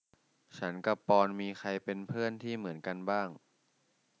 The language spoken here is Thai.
ฉันกับปอนด์มีใครเป็นเพื่อนที่เหมือนกันบ้าง